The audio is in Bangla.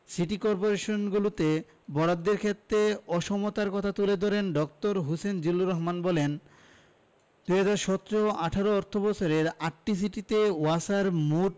সিটি করপোরেশনগুলোতে বরাদ্দের ক্ষেত্রে অসমতার কথা তুলে ধরে ড. হোসেন জিল্লুর রহমান বলেন ২০১৭ ১৮ অর্থবছরে আটটি সিটিতে ওয়াসার মোট